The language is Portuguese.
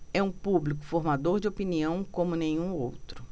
é um público formador de opinião como nenhum outro